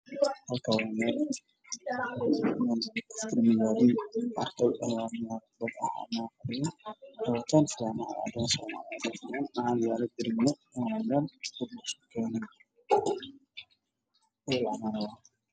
meeshaan waxaa ka muuqda araday wataan dhar cadaan ah oo fadhiyaan